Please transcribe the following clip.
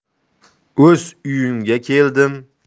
o'z uyimga keldim